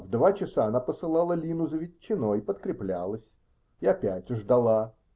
В два часа она посылала Лину за ветчиной, подкреплялась и опять ждала.